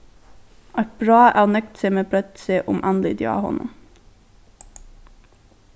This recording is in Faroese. eitt brá av nøgdsemi breiddi seg um andlitið á honum